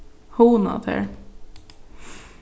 hugna tær